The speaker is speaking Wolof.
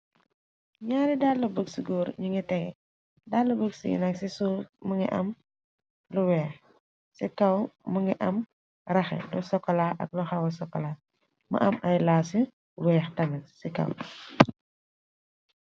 Naari dalla buso góor ñi ngi tege, dalla buso yi nak ci suuf më ngi am lu weex, ci kaw më ngi am raxe lu sokola ak lu xawal sokola, ma am ay laa ci weex tami ci kaw.